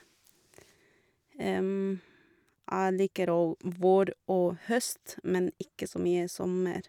Jeg liker òg vår og høst, men ikke så mye sommer.